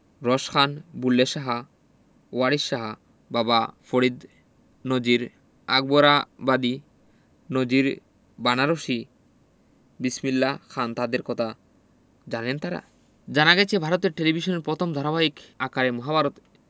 রস খান বুল্লে শাহা ওয়ারিশ শাহা বাবা ফরিদ নজির আকবরাবাদি নজির বানারসি বিসমিল্লা খান তাঁদের কথা জানেন তাঁরা জানা গেছে ভারতের টেলিভিশনে পথম ধারাবাহিক আকারে মহাভারত